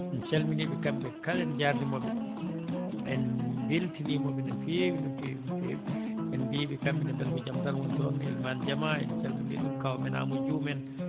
en calminii ɓe kamɓe kala en jaarniima ɓe en mbeltaniima ɓe no feewi no feewi no feewi en mbiyii ɓe kamɓene mbele ko jam tan woni toon elimane jaama en calminii ɓe kaawu men Amadou Dioumo en